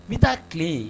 N bɛ taa tile ye